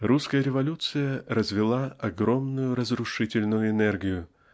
Русская революция развила огромную разрушительную энергию